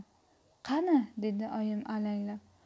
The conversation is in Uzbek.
qani dedi oyim alanglab